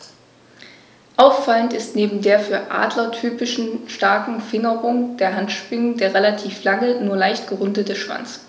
Auffallend ist neben der für Adler typischen starken Fingerung der Handschwingen der relativ lange, nur leicht gerundete Schwanz.